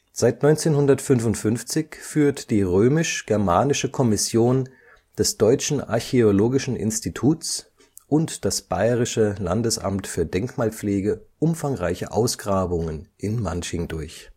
Seit 1955 führt die Römisch-Germanische Kommission des Deutschen Archäologischen Instituts und das Bayerische Landesamt für Denkmalpflege umfangreiche Ausgrabungen in Manching durch